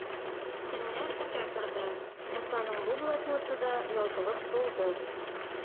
Көннәр үтә торды, Мусаның бу блокноты да язылып тулды.